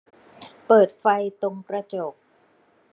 เปิดไฟตรงกระจก